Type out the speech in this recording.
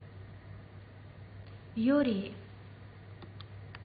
ཡོད རེད